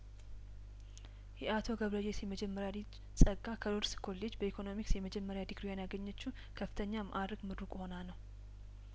የአቶ ገብረ የስ የመጀመሪያ ልጅ ጸጋ ከሮድ ስኮሌጅ በኢኮኖሚክስ የመጀመሪያ ዲግሪ ዋን ያገኘችው ከፍተኛ ማእረግም ሩቅ ሆና ነው